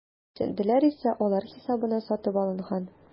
Үсентеләр исә алар хисабына сатып алынган.